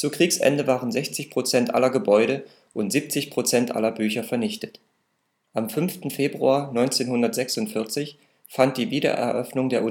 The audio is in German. Kriegsende waren 60 % aller Gebäude und 70 % aller Bücher vernichtet. Am 5. Februar 1946 fand die Wiedereröffnung der